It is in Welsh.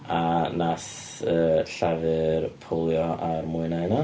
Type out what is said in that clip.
A wnaeth yy Llafur powlio ar mwy na hynna.